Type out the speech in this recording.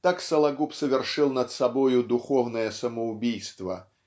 Так Сологуб совершил над собою духовное самоубийство